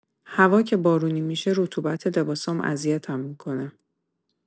هوا که بارونی می‌شه رطوبت لباسام اذیتم می‌کنه.